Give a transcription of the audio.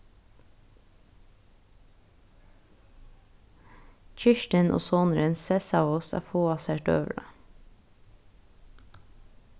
kirstin og sonurin sessaðust at fáa sær døgurða